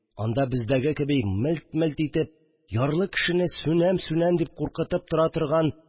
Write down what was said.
Анда бездәге кеби мелт-мелт итеп, ярлы кешене сүнәм- сүнәм дип куркытып торган